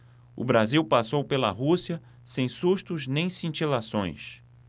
o brasil passou pela rússia sem sustos nem cintilações